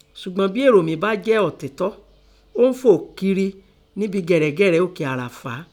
Ṣùgbọ́n bí èrò mi bá jẹ́ òtítọ́, ó ń fò kiri níbi ní gẹ̀rẹ́gẹ̀rẹ́ òkè Àràfá."